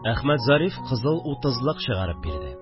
Әхмәтзариф кызыл утызлык чыгарып бирде